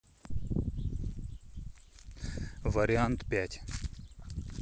вариант пять